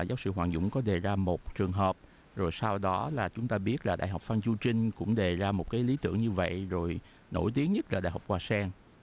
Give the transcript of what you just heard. giáo sư hoàng dũng có đề ra một trường hợp rồi sau đó là chúng ta biết là đại học phan chu trinh cũng đề ra một cái lý tưởng như vậy rồi nổi tiếng nhất tại đại học hoa sen